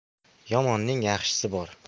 yomonning yaxshisi bor